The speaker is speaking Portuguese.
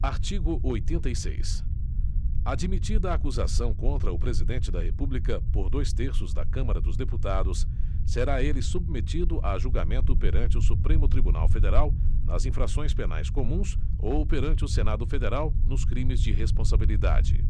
artigo oitenta e seis admitida a acusação contra o presidente da república por dois terços da câmara dos deputados será ele submetido a julgamento perante o supremo tribunal federal nas infrações penais comuns ou perante o senado federal nos crimes de responsabilidade